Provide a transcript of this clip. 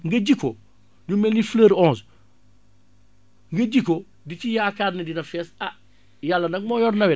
nga ji ko yu mel ni fleur onze nga ji ko di ci yaakaar ne dina fees ah Yàlla nag moo yor nawet